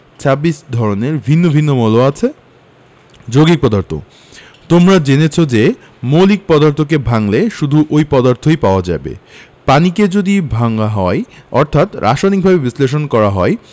২৬ ধরনের ভিন্ন ভিন্ন মৌল আছে যৌগিক পদার্থ তোমরা জেনেছ যে মৌলিক পদার্থকে ভাঙলে শুধু ঐ পদার্থই পাওয়া যাবে পানিকে যদি ভাঙা হয় অর্থাৎ রাসায়নিকভাবে বিশ্লেষণ করা যায়